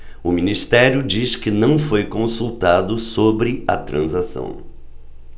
o ministério diz que não foi consultado sobre a transação